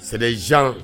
Sɛsan